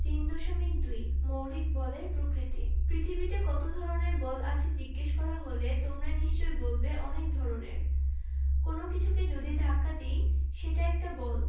৩.২ মৌলিক বলের প্রকৃতি পৃথিবীতে কত ধরনের বল আছে জিজ্ঞেস করা হলে তোমরা নিশ্চয়ই বলবে অনেক ধরনের কোনো কিছুকে যদি ধাক্কা দিই সেটা একটা বল